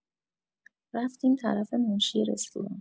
رفتیم طرف منشی رستوران